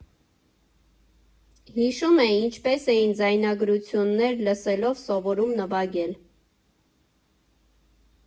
Հիշում է՝ ինչպես էին ձայնագրություններ լսելով սովորում նվագել։